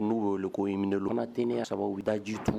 N'u bɛ wele ko immunolo , tenia sababu u bɛ daji tu.